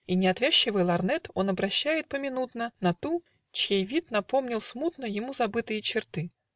" И неотвязчивый лорнет Он обращает поминутно На ту, чей вид напомнил смутно Ему забытые черты.